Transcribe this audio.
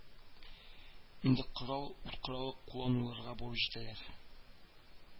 Инде корал ут коралы куллануларга барып җитәләр